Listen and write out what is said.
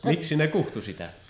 miksi ne kutsui sitä